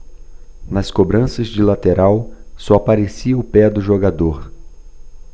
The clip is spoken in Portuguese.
nas cobranças de lateral só aparecia o pé do jogador